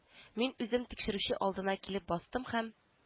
Мин үзем тикшерүче алдына килеп бастым һәм